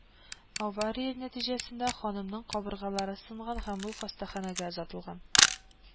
Авария нәтиҗәсендә ханымның кабыргалары сынган һәм ул хастаханәгә озатылган